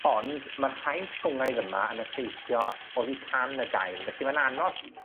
Ond ma'r haint ffwngaidd yma yn effeithio oddi tan y dail. Felly ma'n anos